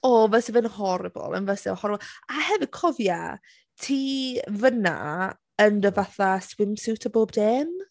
O fyse fe'n horrible yn fyse? Horr- a hefyd cofia ti fan'na yn dy fatha swimsuit a bob dim.